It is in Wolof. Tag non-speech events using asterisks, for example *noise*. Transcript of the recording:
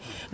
*breath* *hesitation* *hesitation*